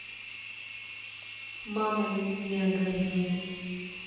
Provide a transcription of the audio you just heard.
мама на меня газует